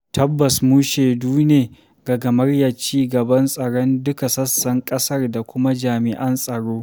Tabbas mu shaidu ne ga gamayyar ci gaban tsaron duka sassan ƙasar da kuma jami'an tsaro.